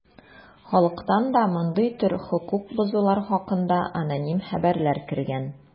Халыктан да мондый төр хокук бозулар хакында аноним хәбәрләр кергән.